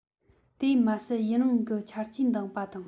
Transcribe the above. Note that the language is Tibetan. དེ མ ཟད ཡུན རིང གི འཆར ཇུས འདིང བ དང